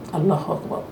Allahu akbar